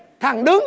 thẳng đứng